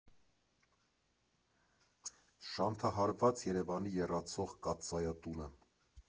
Շանթահարված Երևանի եռացող կաթսայատունը։